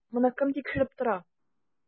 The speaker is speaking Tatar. Моны кем тикшереп тора?